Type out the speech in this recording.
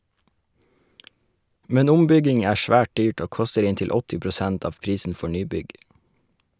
Men ombygging er svært dyrt, og koster inntil 80 prosent av prisen for nybygg.